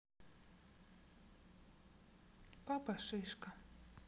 папа шишка